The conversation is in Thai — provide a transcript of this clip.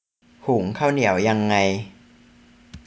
หุงข้าวเหนียวยังไง